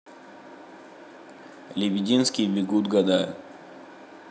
лебединский бегут года